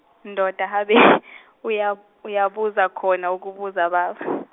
ndoda habe uyab- uyabuza khona ukubuza baba.